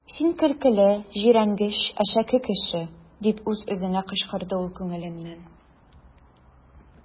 Син көлкеле, җирәнгеч, әшәке кеше! - дип үз-үзенә кычкырды ул күңеленнән.